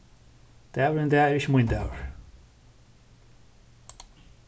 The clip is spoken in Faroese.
dagurin í dag er ikki mín dagur